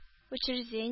Учреждень